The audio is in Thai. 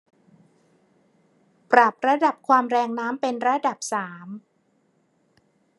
ปรับระดับความแรงน้ำเป็นระดับสาม